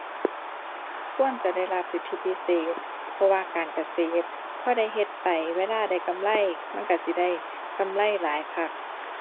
ควรจะได้รับสิทธิพิเศษ เพราะว่าการเกษตรพอได้เฮ็ดไปเวลาได้กำไร มันก็สิได้กำไรหลายคัก